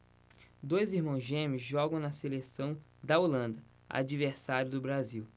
dois irmãos gêmeos jogam na seleção da holanda adversária do brasil